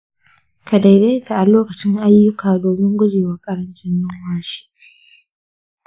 ka daidaita a lokacin ayyuka domin gujewa ƙarancin numfashi.